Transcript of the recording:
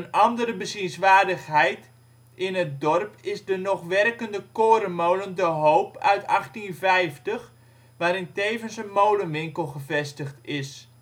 andere bezienswaardigheid in het dorp is de nog werkende korenmolen De Hoop uit 1850, waarin tevens een molenwinkel gevestigd is